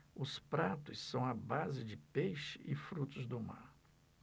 os pratos são à base de peixe e frutos do mar